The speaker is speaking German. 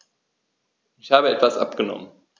Ich habe etwas abgenommen.